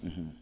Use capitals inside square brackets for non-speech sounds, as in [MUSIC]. [HESITATION] [HESITATION]